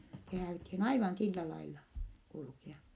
se häädyttiin aivan sillä lailla kulkea